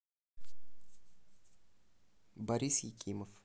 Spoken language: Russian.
борис екимов